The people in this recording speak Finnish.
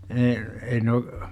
- Eino